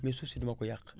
mais suuf si du ma ko yàq